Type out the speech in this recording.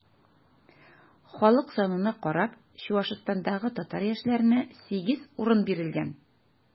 Халык санына карап, Чуашстандагы татар яшьләренә 8 урын бирелгән.